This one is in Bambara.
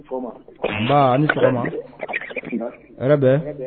A ni sɔgɔma, n ba ni sɔgɔma, hɛrɛ bɛ?